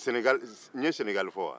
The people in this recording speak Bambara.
senegali n ye senegali fɔ wa